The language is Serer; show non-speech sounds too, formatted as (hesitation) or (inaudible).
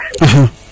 (hesitation) (hesitation)